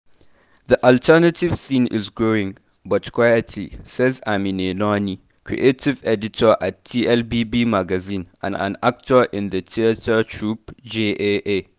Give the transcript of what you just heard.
“The alternative scene is growing, but quietly,” says Amine Nawny, creative editor at TLBB magazine and an actor in the theater troupe JAA.